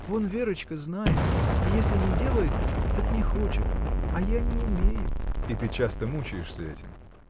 Вон Верочка знает, и если не делает, так не хочет, а я не умею. — И ты часто мучаешься этим?